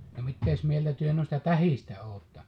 no mitä mieltä te noista tähdistä olette